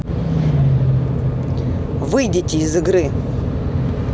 выйдите из игры